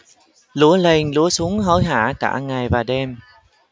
lúa lên lúa xuống hối hả cả ngày và đêm